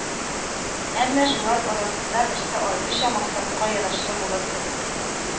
Әмма шулар арасында берсе аеруча максатка ярашлы булыр кебек